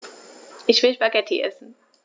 Ich will Spaghetti essen.